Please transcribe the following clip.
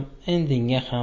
indinga ham